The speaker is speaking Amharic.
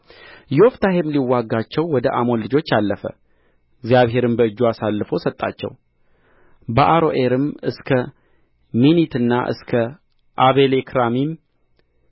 ዮፍታሔም ሊዋጋቸው ወደ አሞን ልጆች አለፈ እግዚአብሔርም በእጁ አሳልፎ ሰጣቸው ከአሮዔርም እስከ ሚኒትና እስከ አቤልክራሚም